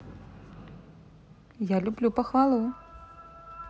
я люблю похвалу